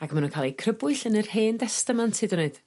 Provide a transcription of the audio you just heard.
Ac ma' nw'n ca'l eu crybwyll yn yr hen destemant hyd yn oed.